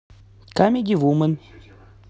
камеди вумен